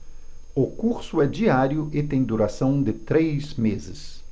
o curso é diário e tem duração de três meses